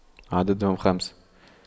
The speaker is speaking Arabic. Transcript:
عددهم خمس